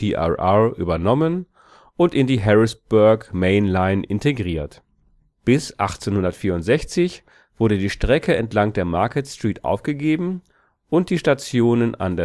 PRR) übernommen und in die Harrisburg Main Line integriert. Bis 1864 wurde die Strecke entlang der Market Street aufgegeben und die Station an